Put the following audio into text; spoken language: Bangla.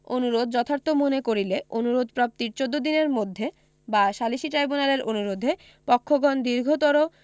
অনুরোধ যথার্থ মনে করিলে অনুরোধ প্রাপ্তির চৌদ্দ দিনের মধ্যে বা সালিসী ট্রাইব্যুনালের অনুরোধে পক্ষগণ দীর্ঘতর